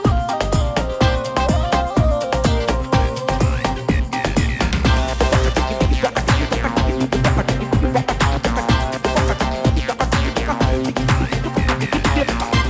music